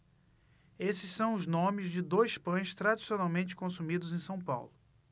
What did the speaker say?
esses são os nomes de dois pães tradicionalmente consumidos em são paulo